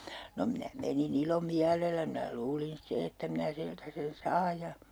no minä menin ilomielellä minä luulin sitten että minä siltä sen saan ja